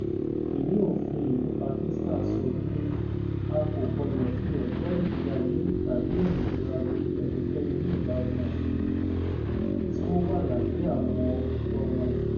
Ìwé òfin ìlú Pakistan sọ wípé "A kò gbọdọ̀ fi ẹ̀tọ́ ìgbé ayé tàbí òmìnira du ẹnikẹ́ni ní ìbámu òfin," tí ó wà lábẹ́ Àwọn Ẹ̀tọ́ ọmọ ìlú.